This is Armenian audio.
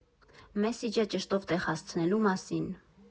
Մեսիջը ճշտով տեղ հասցնելու մասին։